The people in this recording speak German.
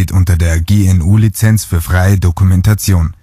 unter der GNU Lizenz für freie Dokumentation